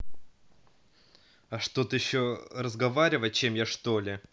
а что ты еще разговорить чем я что ли